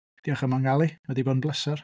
Diolch am fy ngael i, mae 'di bod yn bleser.